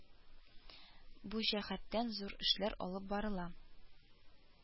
Бу җәһәттән зур эшләр алып барыла